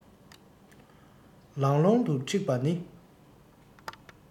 ལང ལོང དུ འཁྲིགས པ ནི